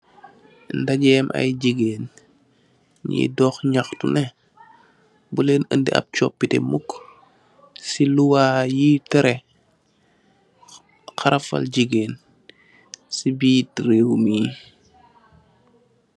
Ndajeem ay jigéen, yuy dox ñaxtu ne, buleen ëndi ap coopite muk, si luwaa you tere xarafal jigéen, si boor rew mi.